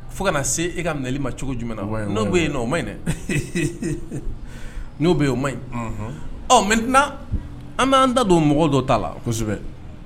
Fo kana se e ka nali ma cogo jumɛnna yan n'o bɛ yen n'o ma ɲi dɛ n'o bɛ oo ma ɲi ɔ mɛt an b'an ta don mɔgɔ dɔ t'a la kosɛbɛ